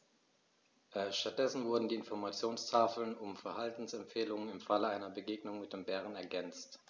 Stattdessen wurden die Informationstafeln um Verhaltensempfehlungen im Falle einer Begegnung mit dem Bären ergänzt.